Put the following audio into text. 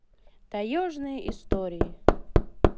таежные истории